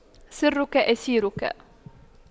سرك أسيرك